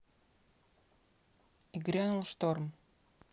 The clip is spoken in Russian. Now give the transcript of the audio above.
и грянул шторм